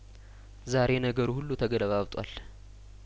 ዛሬ ነገሩ ሁሉ ተገለባብጧል